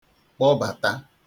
kpọbata